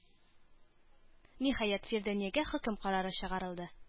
Ниһаять, Фиданиягә хөкем карары чыгарылды.